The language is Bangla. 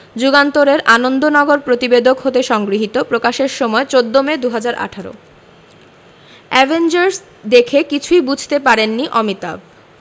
যুগান্তর এর আনন্দনগর প্রতিবেদক হতে সংগৃহীত প্রকাশের সময় ১৪ মে ২০১৮ অ্যাভেঞ্জার্স দেখে কিছুই বুঝতে পারেননি অমিতাভ